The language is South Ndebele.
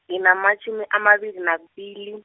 nginamatjhumi amabili nakubili.